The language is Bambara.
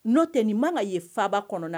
N'o tɛ nin ma ka ye faba kɔnɔ